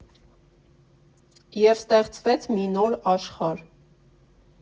Եվ ստեղծվեց մի նոր աշխարհ։